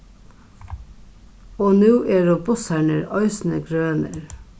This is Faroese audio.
og nú eru bussarnir eisini grønir